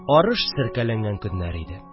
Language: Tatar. Арыш серкәләнгән көннәр иде